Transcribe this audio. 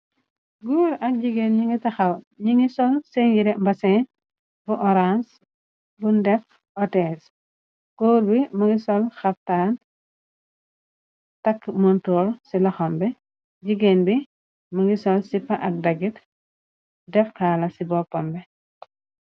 Góore ak jigéen ñi ngi taxaw ñi ngi sol sengire mbasin bu horange bu ndef otes góor bi më ngi sol xaftaan takk montrol ci loxambe jigéen bi mëngi sol sipa ak daggit dexxaala ci boppambe.